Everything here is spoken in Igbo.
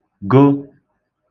go